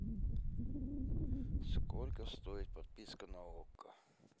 сколько стоит подписка на окко